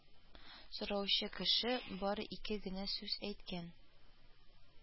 Сораучы кеше бары ике генә сүз әйткән